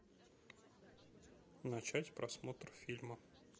начать просмотр фильма